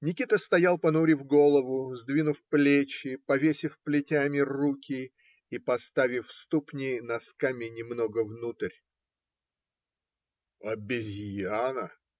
Никита стоял, понурив голову, сдвинув плечи, повесив плетьми руки и поставив ступни носками немного внутрь. Обезьяна,